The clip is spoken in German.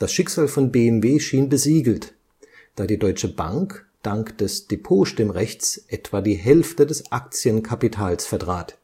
Schicksal von BMW schien besiegelt, da die Deutsche Bank dank des Depotstimmrechts etwa die Hälfte des Aktienkapitals vertrat